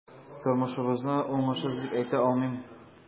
Тормышыбызны уңышсыз дип әйтә алмыйм.